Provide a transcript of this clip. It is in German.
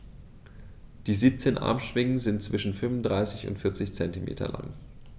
Die 17 Armschwingen sind zwischen 35 und 40 cm lang.